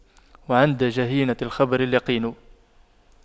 وعند جهينة الخبر اليقين